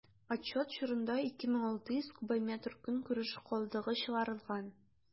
Отчет чорында 2600 кубометр көнкүреш калдыгы чыгарылган.